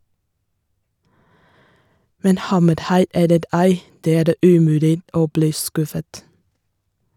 Men hammerhai eller ei - det er umulig å bli skuffet.